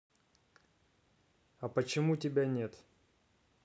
а почему тебя нет